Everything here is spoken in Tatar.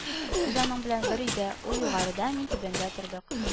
Без аның белән бер өйдә: ул югарыда, мин түбәндә тордык